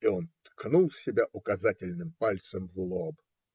И он ткнул себя указательным пальцем в лоб.